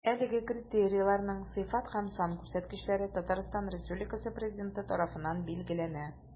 Әлеге критерийларның сыйфат һәм сан күрсәткечләре Татарстан Республикасы Президенты тарафыннан билгеләнә.